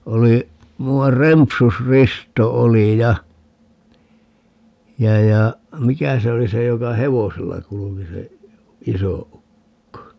oli muuan Rempus-Risto oli ja ja ja mikä se oli se joka hevosella kulki se iso ukko